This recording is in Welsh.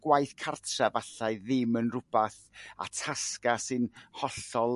gwaith cartra' 'fallai ddim yn r'wbath a tasga; sy'n hollol